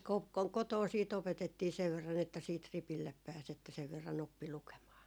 -- kotona sitten opetettiin sen verran että sitten ripille pääsi että sen verran oppi lukemaan